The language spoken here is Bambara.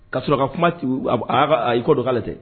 Ka sɔrɔ ka kuma tu a y'i kɔdon k'ale tɛ